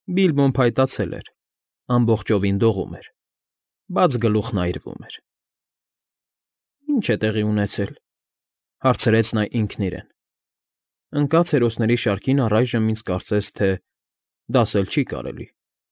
Բիլբոն փայտացել էր, ամբողջովին դողում էր, բայց գլուխն այրվում էր։ ֊ Ի՞նչ է տեղի ունեցել,֊ հարցրեց նա ինքն իրեն։֊ Ընկած հերոսների շարքին առայժմ ինձ կարծես թե դասել չի կարելի։